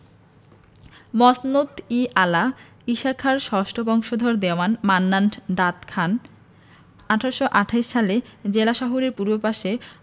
মসনদ ই আলা ঈশাখার ষষ্ঠ বংশধর দেওয়ান মান্নান দাদ খান ১৮২৮ সালে জেলা শহরের পূর্ব পাশে